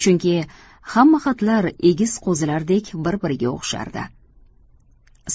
chunki hamma xatlar egiz qo'zilardek bir biriga o'xshardi